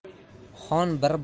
xon bir bo'lsa el